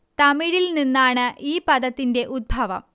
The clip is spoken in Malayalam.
തമിഴിൽ നിന്നാണ് ഈ പദത്തിന്റെ ഉദ്ഭവം